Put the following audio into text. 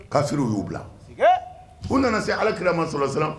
K' s u y'u bila u nana se alaki masɔrɔla siran